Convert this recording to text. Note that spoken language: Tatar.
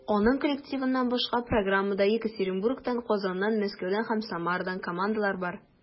Аның коллективыннан башка, программада Екатеринбургтан, Казаннан, Мәскәүдән һәм Самарадан командалар бар.